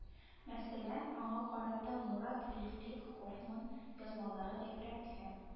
Мәсәлән аңа карата мурад-вильфрид хофманн язмалары гыйбрәтле